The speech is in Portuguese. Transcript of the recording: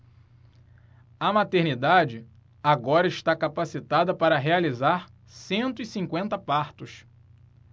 a maternidade agora está capacitada para realizar cento e cinquenta partos